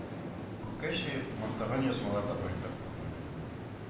Күккә чөеп мактаган язмалар да байтак күренде